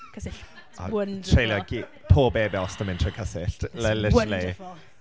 Cysill! It's wonderful. ...A treulio gy- pob ebost yn mynd trwy Cysillt. L- literally. ...It's wonderful.